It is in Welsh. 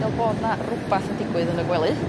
fel bod 'na rwbath yn digwydd yn y gwely.